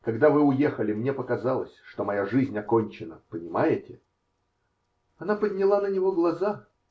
когда вы уехали, мне показалось, что моя жизнь окончена. Понимаете? Она подняла на него глаза.